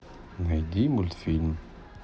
найди мультфильм